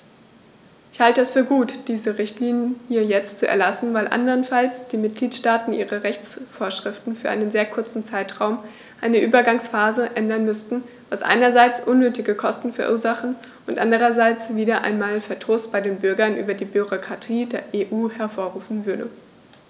Ich halte es für gut, diese Richtlinie jetzt zu erlassen, weil anderenfalls die Mitgliedstaaten ihre Rechtsvorschriften für einen sehr kurzen Zeitraum, eine Übergangsphase, ändern müssten, was einerseits unnötige Kosten verursachen und andererseits wieder einmal Verdruss bei den Bürgern über die Bürokratie der EU hervorrufen würde.